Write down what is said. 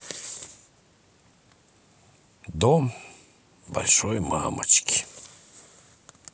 дом большой мамочки